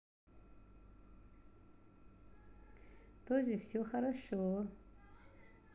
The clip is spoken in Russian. тоже все хорошо